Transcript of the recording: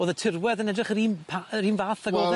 O'dd y tirwedd yn edrych yr un pa- yr un fath ag o'dd e?